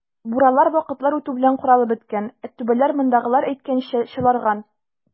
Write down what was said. Буралар вакытлар үтү белән каралып беткән, ә түбәләр, мондагылар әйткәнчә, "чаларган".